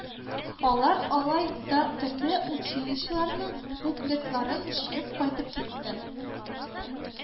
Алар алай да төрле училищеларның буклетларын җыеп кайтып китте